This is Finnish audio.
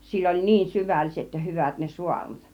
sillä oli niin syvälliset ja hyvät ne saarnat